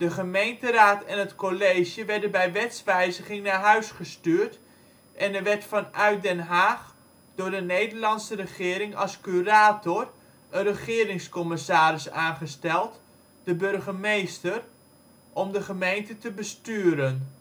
gemeenteraad en het college werden bij wetswijziging naar huis gestuurd en er werd vanuit Den Haag door de Nederlandse regering als " curator " een " regeringscommissaris " aangesteld (de burgemeester) om de gemeente te besturen